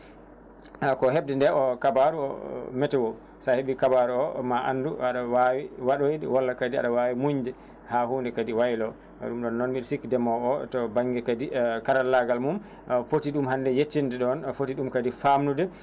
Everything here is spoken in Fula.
a ko hebde nde o kabaru météo sa heeɓi kabaru o ma anndu aɗa wawi waɗoyde walla kadi aɗa wawi moñde ha hunnde kadi waymo eyyi ɗum ɗon noon mbi sikki ndemowo to banŋnge kadi karallagal mum footi ɗum hannde yettinde ɗon footi ɗum kadi famnude